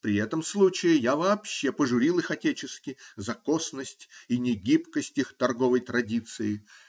При этом случае я вообще пожурил их отечески за косность и негибкость их торговой традиции.